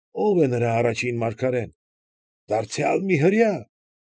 Ո՞վ է նրա առաջին մարգարեն։ Դարձյալ մի հրեա։